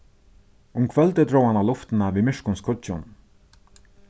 um kvøldið dró hann á luftina við myrkum skýggjum